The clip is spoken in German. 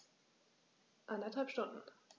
Eineinhalb Stunden